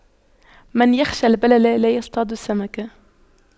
من يخشى البلل لا يصطاد السمك